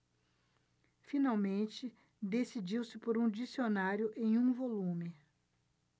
finalmente decidiu-se por um dicionário em um volume